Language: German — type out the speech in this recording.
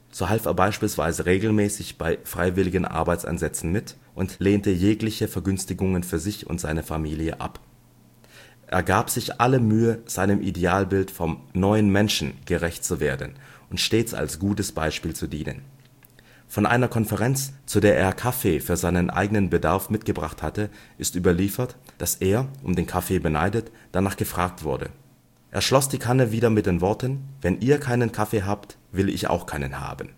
So half er beispielsweise regelmäßig bei freiwilligen Arbeitseinsätzen mit und lehnte jegliche Vergünstigungen für sich und seine Familie ab. Er gab sich alle Mühe, seinem Idealbild vom Neuen Menschen gerecht zu werden und stets als gutes Beispiel zu dienen. Von einer Konferenz, zu der er Kaffee für seinen eigenen Bedarf mitgebracht hatte, ist überliefert, dass er, um den Kaffee beneidet, danach gefragt wurde. Er schloss die Kanne wieder mit den Worten: „ Wenn ihr keinen Kaffee habt, will ich auch keinen haben